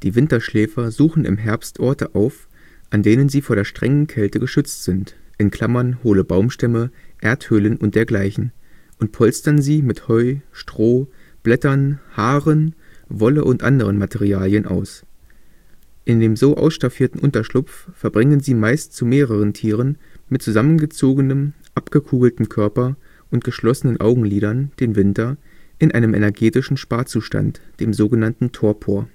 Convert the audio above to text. Winterschläfer suchen im Herbst Orte auf, an denen sie vor der strengen Kälte geschützt sind (hohle Baumstämme, Erdhöhlen und dergleichen) und polstern sie mit Heu, Stroh, Blättern, Haaren, Wolle und anderen Materialien aus. In dem so ausstaffierten Unterschlupf verbringen sie meist zu mehreren Tieren mit zusammengezogenem, abgekugeltem Körper und geschlossenen Augenlidern den Winter in einem energetischen Sparzustand, dem so genannten Torpor